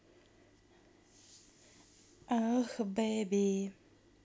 oh baby